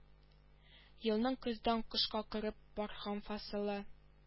Елның көздән кышка кереп барган фасылы